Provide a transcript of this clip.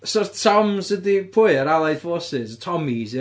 so'r Toms ydi pwy yr Allied Forces? Tommies ia?